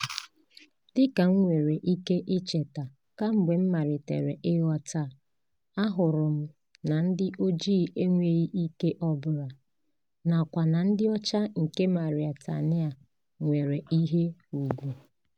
Dịka m nwere ike icheta, kemgbe m malitere ịghọta, ahụrụ m na ndị ojii enweghị ikike ọ bụla, nakwa na ndị ọcha nke Mauritania nwere ihe ugwu.